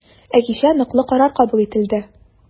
Ә кичә ныклы карар кабул ителде.